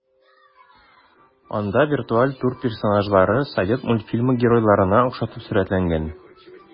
Анда виртуаль тур персонажлары совет мультфильмы геройларына охшатып сурәтләнгән.